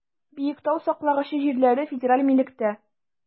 Биектау саклагычы җирләре федераль милектә.